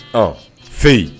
A fɛ yen